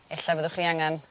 ella fyddwch chi angan